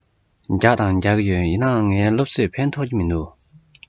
རྒྱག དང རྒྱག གི ཡོད ཡིན ནའི ངའི སློབ གསོས ཕན ཐོགས ཀྱི མི འདུག